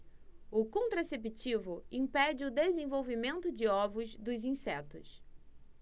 o contraceptivo impede o desenvolvimento de ovos dos insetos